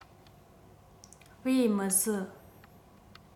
དཔེ མི སྲིད